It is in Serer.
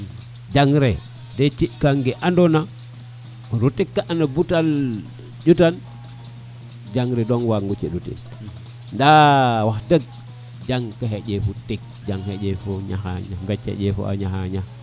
jangre te ci kang ke ando na jangre dong waag ngo condo ten nda wax deg jang xeƴe fo tig xeƴe fo tig